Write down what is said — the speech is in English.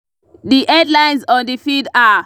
The headlines on the feed are